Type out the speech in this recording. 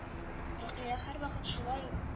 -рөкыя, һәрвакыт шулай ул